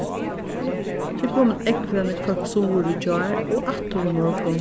tað eru komin ógvuliga nógv fólk suður í gjár og aftur í morgun